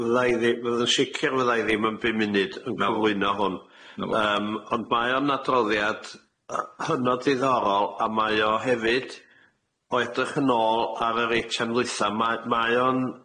Fydda i ddi- fydd yn sicir fydda i ddim yn bum munud yn cyflwyno hwn yym ond mae o'n adroddiad yy hynod ddiddorol a mae o hefyd o edrych yn ôl ar yr eitam ddwytha 'ma mae o'n